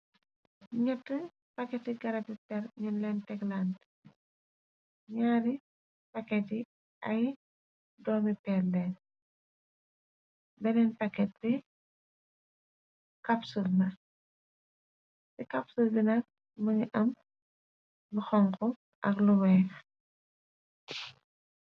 Nyatt pakketi garabi peer nyung leen tek lante. Nyarr ri paket yi ay doomi peer leen. Beneen pakket bi kapsul la. Ci capsul bi nak mungi am lu xonko ak lu weex.